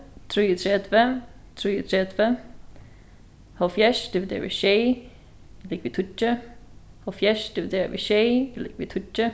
trýogtretivu trýogtretivu hálvfjerðs dividerað við sjey er ligvið tíggju hálvfjerðs dividerað við sjey er ligvið tíggju